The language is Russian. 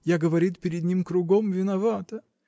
Я, говорит, перед ним кругом виновата